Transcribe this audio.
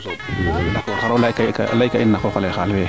xaro ley kaa in na qooqale xaal fee